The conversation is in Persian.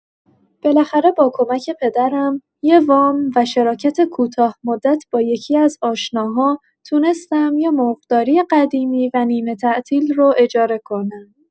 بالاخره با کمک پدرم، یه وام و شراکت کوتاه‌مدت با یکی‌از آشناها، تونستم یه مرغداری قدیمی و نیمه‌تعطیل رو اجاره کنم.